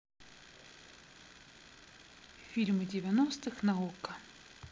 фильмы девяностых на окко